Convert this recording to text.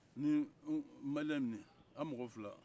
ni maliyen nin an mɔgɔ fila